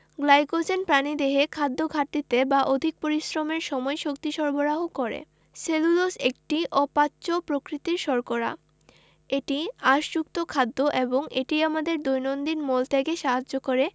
glycogen প্রাণীদেহে খাদ্যঘাটতিতে বা অধিক পরিশ্রমের সময় শক্তি সরবরাহ করে সেলুলোজ একটি অপাচ্য প্রকৃতির শর্করা এটি আঁশযুক্ত খাদ্য এবং এটি আমাদের দৈনন্দিন মল ত্যাগে সাহায্য করে